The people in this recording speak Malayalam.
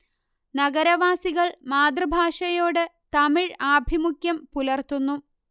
നഗരവാസികൾ മാതൃഭാഷയോട് തമിഴ് ആഭിമുഖ്യം പുലർത്തുന്നു